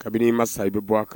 Kabini i ma sa i bɛ bɔ a kan